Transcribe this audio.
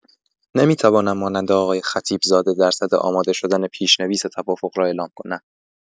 نمی‌توانم مانند آقای خطیب زاده درصد آماده شدن پیش‌نویس توافق را اعلام کنم.